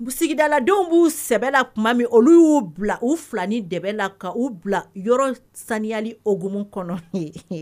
U sigidaladenw b'u sɛbɛ la tuma min olu y'u bila u fila ni debɛ la ka u bila yɔrɔ saniyali ogumu kɔnɔ